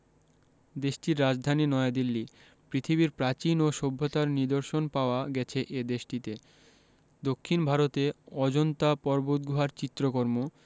দেশটির রাজধানী নয়াদিল্লী পৃথিবীর প্রাচীন ও সভ্যতার নিদর্শন পাওয়া গেছে এ দেশটিতে দক্ষিন ভারতে অজন্তা পর্বতগুহার চিত্রকর্ম